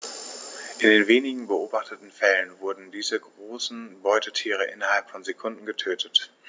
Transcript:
In den wenigen beobachteten Fällen wurden diese großen Beutetiere innerhalb von Sekunden getötet.